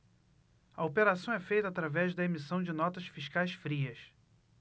a operação é feita através da emissão de notas fiscais frias